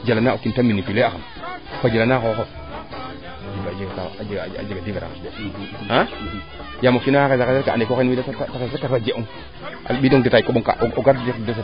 jalana o kiin te manipuler a xam fo jala na xoxof a jega difference de a yaam o kiina waa xesa xes rek ande ko xen wiida den rek te xes rek te adiidong detail kombong kaa o gar jeg deception